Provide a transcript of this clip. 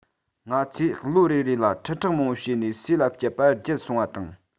ང ཚོས ལོ རེ རེ ལ ཁྲི ཕྲག མང པོ བཤས ནས ཟས ལ སྤྱད པ བརྗེད སོང བ དང